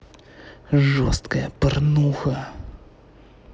жесткая порнуха